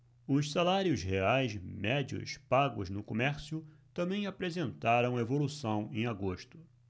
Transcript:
os salários reais médios pagos no comércio também apresentaram evolução em agosto